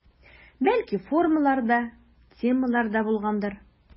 Бәлки формалар да, темалар да булгандыр.